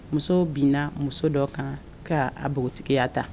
Muso binna muso dɔ kan ka npogotigiya ta